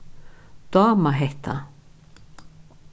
dáma hetta